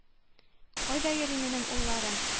Кайда йөри минем улларым?